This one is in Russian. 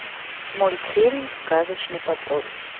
мультфильм сказочный патруль